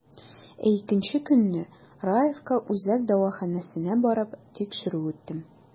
Ә икенче көнне, Раевка үзәк дәваханәсенә барып, тикшерү үттем.